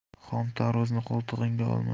xom tarvuzni qo'litig'ingga olma